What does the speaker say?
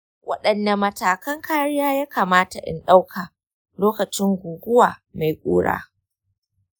waɗanne matakan kariya ya kamata in ɗauka lokacin guguwa mai ƙura?